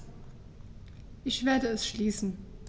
Ich werde es schließen.